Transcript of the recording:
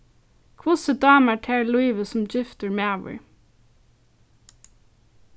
hvussu dámar tær lívið sum giftur maður